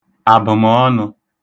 àbə̀mọ̀ọnụ̄